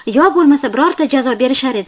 yo bo'lmasa birorta jazo berishar edi